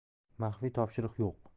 maxfiy topshiriq yo'q